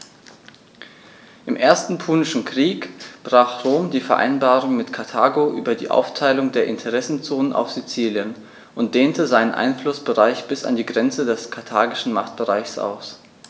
Im Ersten Punischen Krieg brach Rom die Vereinbarung mit Karthago über die Aufteilung der Interessenzonen auf Sizilien und dehnte seinen Einflussbereich bis an die Grenze des karthagischen Machtbereichs aus.